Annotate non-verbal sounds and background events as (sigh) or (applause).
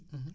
(hesitation) (hesitation)